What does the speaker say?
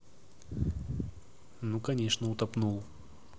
ну конечно утопнул